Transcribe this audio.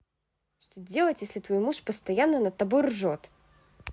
что делать если твой мой муж постоянно над тобой ржет